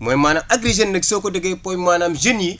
mooy maanaam Agri Jeunes nag soo ko déggee mooy maanaam jeunes yi